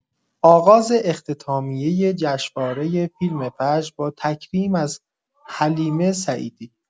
آغاز اختتامیه جشنواره فیلم فجر با تکریم از حلیمه سعیدی